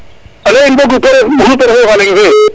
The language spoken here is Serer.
ande in mbogu fa leŋ fe